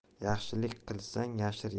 yaxshilik qilsang yashir